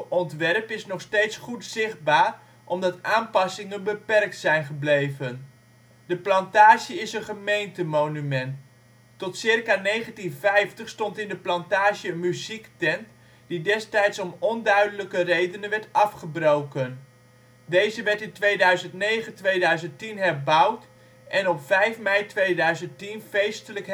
ontwerp is nog steeds goed zichtbaar omdat aanpassingen beperkt zijn gebleven. De Plantage is een gemeentemonument. Tot ca. 1950 stond in de Plantage een muziektent die destijds om onduidelijke redenen werd afgebroken. Deze werd in 2009/2010 herbouwd en op 5 mei 2010 feestelijk geopend